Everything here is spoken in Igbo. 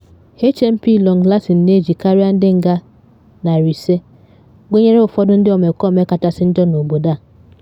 HMP Long Lartin na eji karịa ndị nga 500, gụnyere ụfọdụ ndị omekome kachasị njọ n’obodo a.